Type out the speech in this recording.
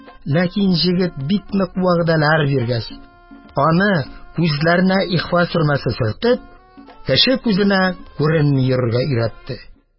Ләкин егет бик нык вәгъдәләр биргәч, аны, күзләренә ихфа сермәсе сөртеп, кеше күзенә күренми йөрергә өйрәтте.